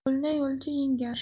yo'lni yo'lchi yengar